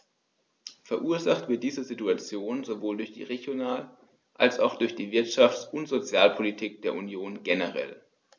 Verursacht wird diese Situation sowohl durch die Regional- als auch durch die Wirtschafts- und Sozialpolitik der Union generell.